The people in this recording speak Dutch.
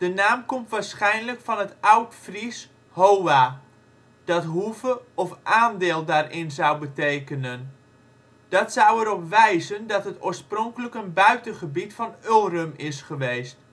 naam komt waarschijnlijk van het Oudfries Howa, dat hoeve of aandeel daarin zou betekenen. Dat zou er op wijzen dat het oorspronkelijk een buitengebied van Ulrum is geweest